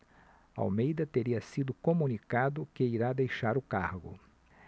almeida teria sido comunicado que irá deixar o cargo